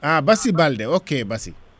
an Bassi Baldé ok Bassi